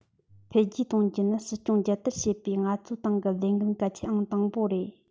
འཕེལ རྒྱས གཏོང རྒྱུ ནི སྲིད སྐྱོང རྒྱལ དར བྱེད པའི ང ཚོའི ཏང གི ལས འགན གལ ཆེན ཨང དང པོ རེད